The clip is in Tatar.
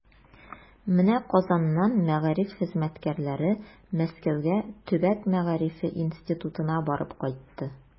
Менә Казаннан мәгариф хезмәткәрләре Мәскәүгә Төбәк мәгарифе институтына барып кайтты.